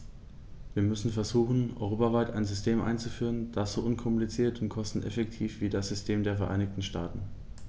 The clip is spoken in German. Wir müssen versuchen, europaweit ein System einzuführen, das so unkompliziert und kosteneffektiv ist wie das System der Vereinigten Staaten.